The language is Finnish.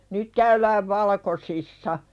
nyt käydään valkoisissa